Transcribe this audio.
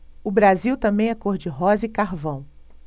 o brasil também é cor de rosa e carvão